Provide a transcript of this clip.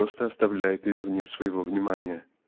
просто оставляет ее вне своего внимания.